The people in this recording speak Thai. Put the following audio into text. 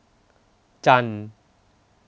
จันทร์